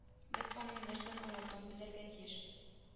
Без аның нәрсәне аңлатуын белергә тиешбез